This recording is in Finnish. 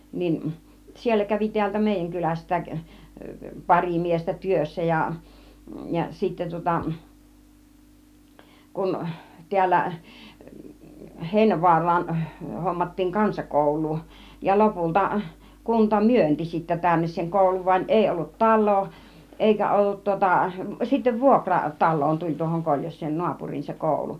niin siellä kävi täältä meidän kylästäkin pari miestä työssä ja ja sitten tuota kun täällä Heinävaaraan hommattiin kansakoulua ja lopulta kunta myönsi sitten tänne sen koulun vaan ei ollut taloa eikä ollut tuota sitten vuokra taloon tuli tuohon Koljoseen naapuriin se koulu